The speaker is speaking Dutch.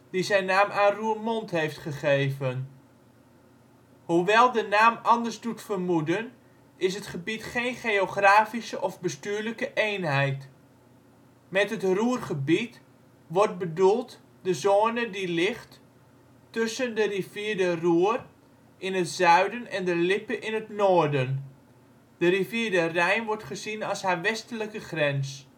die zijn naam aan Roermond heeft gegeven. Hoewel de naam anders doet vermoeden is het gebied geen geografische of bestuurlijke eenheid. Met het Ruhrgebied word bedoelt de zone die ligt tussen de rivier de Ruhr in het zuiden en de Lippe in het noorden. De rivier de Rijn wordt gezien als haar westelijke grens